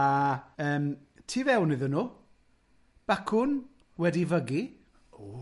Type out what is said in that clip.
A yym, tu fewn iddyn nhw, bacwn wedi fygu... O!